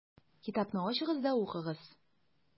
Китапны ачыгыз да укыгыз: